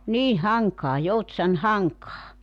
niin Hankaa Joutsan Hankaa